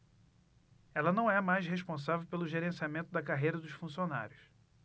ela não é mais responsável pelo gerenciamento da carreira dos funcionários